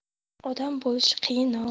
odam bo'lishi qiyin ov